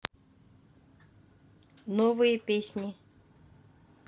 новые песни